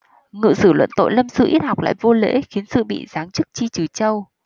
ngự sử luận tội lâm sư ít học lại vô lễ khiến sư bị giáng chức tri trừ châu